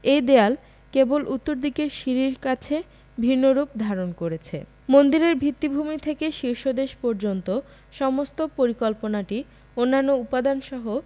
এ দেয়াল কেবল উত্তর দিকের সিঁড়ির কাছে ভিন্নরূপ ধারণ করেছে মন্দিরের ভিত্তিভূমি থেকে শীর্ষদেশ পর্যন্ত সমস্ত পরিকল্পনাটি অন্যান্য উপাদানসহ